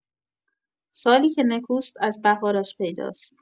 سالی که نکوست از بهارش پیداست!